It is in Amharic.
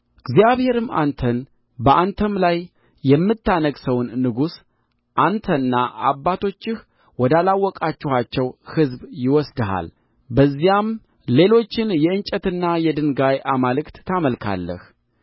እግዚአብሔርም አንተን በአንተም ላይ የምታነግሠውን ንጉሥ አንተና አባቶችህ ወዳላወቃችኋቸው ሕዝብ ይወስድሃል በዚያም ሌሎችን የእንጨትና የድንጋይ አማልክት ታመልካለህ